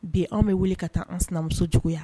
Bi anw bɛ wele ka taa an sinamuso jugu